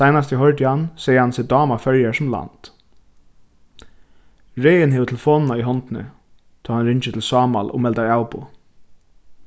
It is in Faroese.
seinast eg hoyrdi hann segði hann seg dáma føroyar sum land regin hevur telefonina í hondini tá hann ringir til sámal og meldar avboð